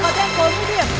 bốn mươi điểm